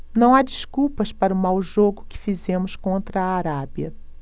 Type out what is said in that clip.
não há desculpas para o mau jogo que fizemos contra a arábia